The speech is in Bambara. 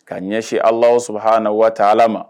Ka ɲɛsin ala saba h na waa ala ma